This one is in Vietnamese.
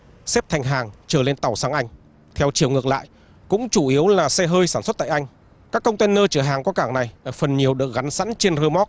xếp thành hàng chờ lên tàu sang anh theo chiều ngược lại cũng chủ yếu là xe hơi sản xuất tại anh các công te nơ chở hàng qua cảng này phần nhiều được gắn sẵn trên rơ moóc